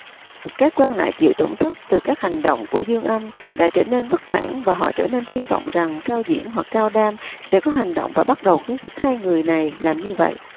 các quan lại chịu tổn thất từ các hành động của dương âm đã trở nên bất mãn và họ trở nên hi vọng rằng cao diễn hoặc cao đam sẽ có hành động và bắt đầu khuyến khích hai người này làm như vậy